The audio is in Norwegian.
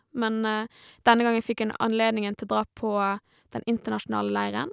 Men denne gangen fikk jeg nå anledningen til å dra på den internasjonale leiren.